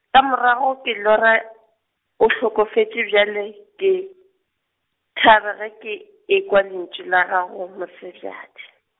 ka morago ke lora, o hlokofetše bjale ke, thaba ge ke ekwa lentšu la gago Mosebjadi.